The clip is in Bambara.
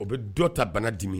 O bɛ dɔ ta bana dimi